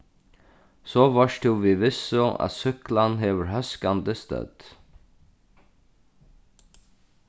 so veitst tú við vissu at súkklan hevur hóskandi stødd